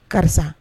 Karisa